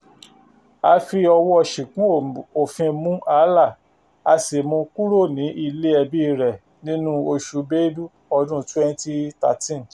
A fi ọwọ́ọ ṣìgún òfin mú Alaa a sì mú u kúrò ní ilé ẹbíi rẹ̀ nínú oṣù Belu ọdún 2013.